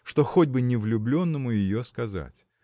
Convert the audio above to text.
что хоть бы не влюбленному ее сказать